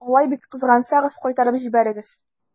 Алай бик кызгансагыз, кайтарып җибәрегез.